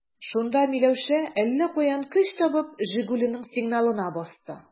Шунда Миләүшә, әллә каян көч табып, «Жигули»ның сигналына басты.